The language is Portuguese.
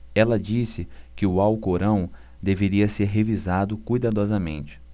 ela disse que o alcorão deveria ser revisado cuidadosamente